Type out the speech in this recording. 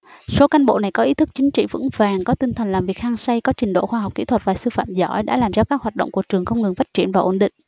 số cán bộ này có ý thức chính trị vững vàng có tinh thần làm việc hăng say có trình độ khoa học kỹ thuật và sư phạm giỏi đã làm cho các hoạt động của trường không ngừng phát triển và ổn định